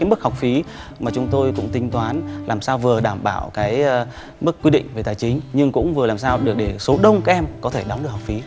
mức học phí mà chúng tôi cũng tính toán làm sao vừa đảm bảo cái mức quy định về tài chính nhưng cũng vừa làm sao được để số đông các em có thể đóng được học phí